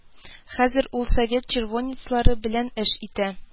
Хәзер ул совет червонецлары белән эш итә